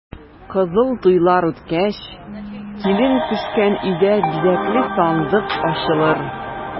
Кызыл туйлар үткәч, килен төшкән өйдә бизәкле сандык ачылыр.